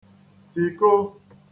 tìko